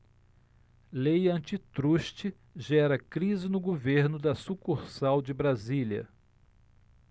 lei antitruste gera crise no governo da sucursal de brasília